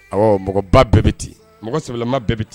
Awɔ mɔgɔba bɛɛ bɛ ten, mɔgɔ sɛbɛlama bɛɛ bɛ ten.